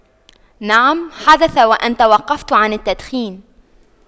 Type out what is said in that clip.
نعم حدث وان توقفت عن التدخين